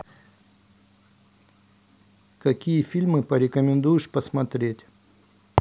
какие фильмы порекомендуешь посмотреть